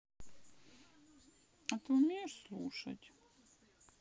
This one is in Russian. а ты умеешь слушать